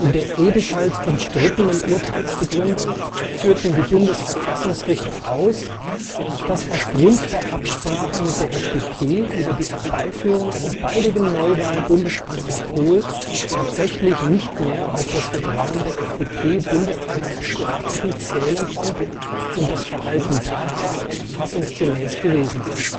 der ebenfalls umstrittenen Urteilsbegründung führten die Bundesverfassungsrichter aus, dass aufgrund der Absprache mit der FDP über die Herbeiführung einer baldigen Neuwahl Bundeskanzler Kohl tatsächlich nicht mehr auf das Vertrauen der FDP-Bundestagsabgeordneten zählen konnte und das Verhalten daher verfassungsgemäß gewesen sei